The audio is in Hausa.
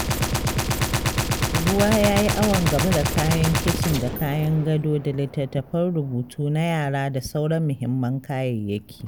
Ruwa ya yi awon gaba da kayan kicin da kayan gado da littatafan rubutu na yara da sauran muhimman kayayyaki.